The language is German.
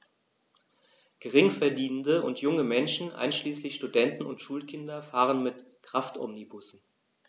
Geringverdienende und junge Menschen, einschließlich Studenten und Schulkinder, fahren mit Kraftomnibussen.